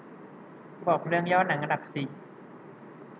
บอกเรื่องย่อหนังอันดับสี่